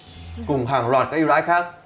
cùng hàng loạt các ưu đãi khác